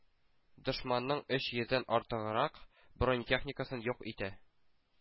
Дошманның өч йөздән артыграк бронетехникасын юк итә.